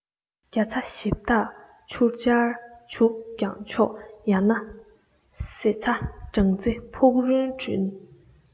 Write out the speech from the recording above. རྒྱ ཚྭ ཞིབ བཏགས ཆུར སྦྱར བྱུགས ཀྱང མཆོག ཡང ན ཟེ ཚྭ སྦྲང རྩི ཕུག རོན བྲུན